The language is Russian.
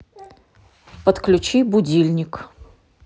подключи будильник